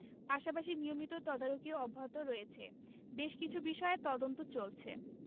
পাশাপাশি নিয়মিত তদারকিও অব্যাহত রয়েছে বেশ কিছু বিষয়ে তদন্ত চলছে